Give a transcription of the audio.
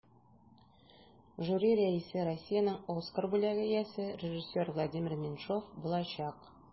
Жюри рәисе Россиянең Оскар бүләге иясе режиссер Владимир Меньшов булачак.